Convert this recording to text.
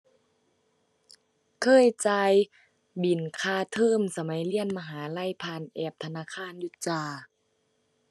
เคยจ่ายบิลค่าเทอมสมัยเรียนมหาลัยผ่านแอปธนาคารอยู่จ้า